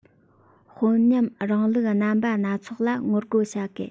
དཔོན ཉམས རིང ལུགས རྣམ པ སྣ ཚོགས ལ ངོ རྒོལ བྱ དགོས